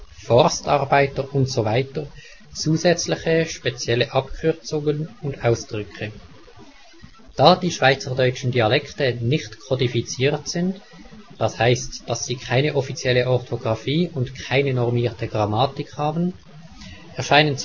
Forstarbeiter usw.) zusätzliche spezielle Abkürzungen und Ausdrücke. Da die schweizerdeutschen Dialekte nicht kodifiziert sind (das heißt dass sie keine offizielle Orthographie und keine normierte Grammatik haben), erscheinen